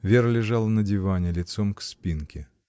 Вера лежала на диване лицом к спинке.